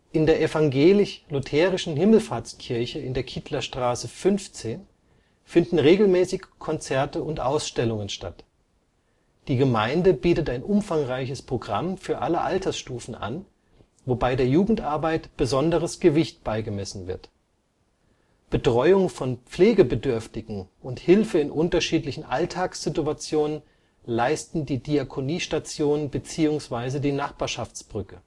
In der evangelisch-lutherischen Himmelfahrtskirche in der Kidlerstraße 15 finden regelmäßig Konzerte und Ausstellungen statt. Die Gemeinde bietet ein umfangreiches Programm für alle Altersstufen an, wobei der Jugendarbeit besonderes Gewicht beigemessen wird. Betreuung von Pflegebedürftigen und Hilfe in unterschiedlichen Alltagssituationen leisten die Diakoniestation bzw. die Nachbarschaftbrücke